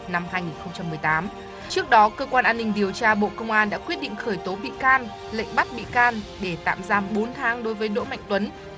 năm hai nghìn không trăm mười tám trước đó cơ quan an ninh điều tra bộ công an đã quyết định khởi tố bị can lệnh bắt bị can để tạm giam bốn tháng đối với đỗ mạnh tuấn